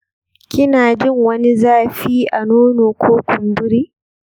kina jin wani zafi a nono ko kumburi?